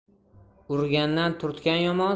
urgandan turtgan yomon